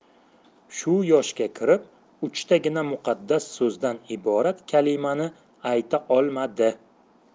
shu yoshga kirib uchtagina muqaddas so'zdan iborat kalimani ayta olmadi